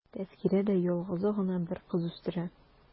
Тәзкирә дә ялгызы гына бер кыз үстерә.